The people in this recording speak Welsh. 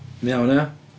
Iawn, ia?